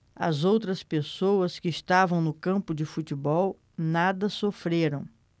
as outras pessoas que estavam no campo de futebol nada sofreram